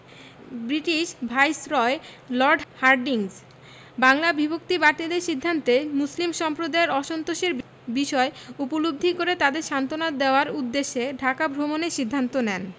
British viceroy Lord Hardinge Bangla বিভক্তি বাতিলের সিদ্ধান্তে মুসলিম সম্প্রদায়ের অসন্তোষের বিষয় উপলব্ধি করে তাদের সান্ত্বনা দেওয়ার উদ্দেশ্যে ঢাকা ভ্রমণের সিদ্ধান্ত নেন